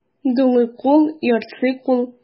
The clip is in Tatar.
Дулый күл, ярсый күл.